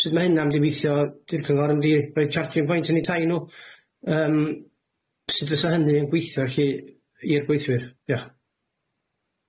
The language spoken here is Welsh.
Sud ma' hynna'n di weithio di'r cyngor yn di roi charging point yn 'u tai n'w, yym sud fysa hynny yn gweithio lly i'r gweithwyr? Dioch.